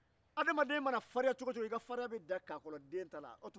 adamaden mana farinya cogo o cogo i ka farinya bɛ dan kaɔlɔden ta